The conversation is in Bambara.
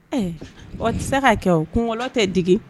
Ɛɛ o tɛ se ka kɛ o kunkologɔlɔ tɛ digi